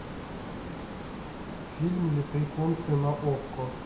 фильм леприконсы на окко